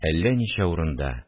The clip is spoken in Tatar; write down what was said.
Әллә ничә урында